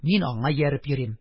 Мин аңа ияреп йөрим.